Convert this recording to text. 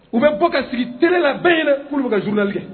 U bɛ bɔ ka sigi t la bɛɛɛlɛn k'olu bɛ ka zurunlali kɛ